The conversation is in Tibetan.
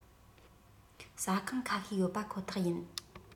ཟ ཁང ཁ ཤས ཡོད པ ཁོ ཐག ཡིན